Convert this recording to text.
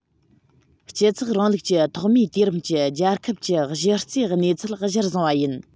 སྤྱི ཚོགས རིང ལུགས ཀྱི ཐོག མའི དུས རིམ གྱི རྒྱལ ཁབ ཀྱི གཞི རྩའི གནས ཚུལ གཞིར བཟུང བ ཡིན